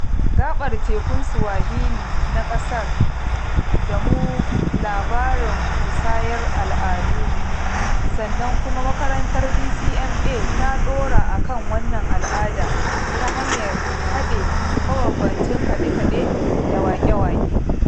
Gaɓar tekun Swahili na sanar da mu labarin musayar al'adu, sannan kuma makarantar DCMA ta ɗora a kan wannan al'ada ta hanyar haɗe mabambamtan kaɗe-kaɗe da waƙe-waƙe.